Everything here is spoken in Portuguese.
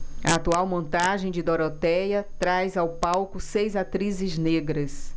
a atual montagem de dorotéia traz ao palco seis atrizes negras